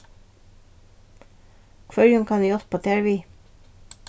hvørjum kann eg hjálpa tær við